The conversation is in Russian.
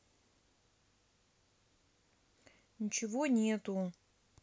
ничего нету